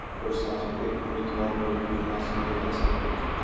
ko'rsatib qo'y umidvor bo'lib yurmasin dedi asadbek